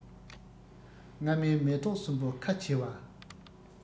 སྔ མའི མེ ཏོག གསུམ པོ ཁ བྱེ བ